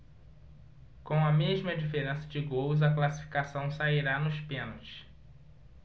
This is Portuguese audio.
com a mesma diferença de gols a classificação sairá nos pênaltis